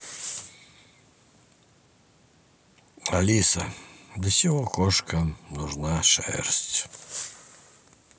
алиса для чего кошкам нужна шерсть